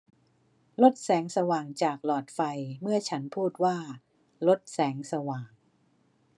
ลดแสงสว่างจากหลอดไฟเมื่อฉันพูดว่าลดแสงสว่าง